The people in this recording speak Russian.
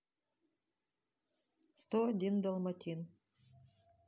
сто один долматин